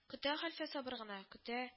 Көтә хәлфә сабыр гына, көтә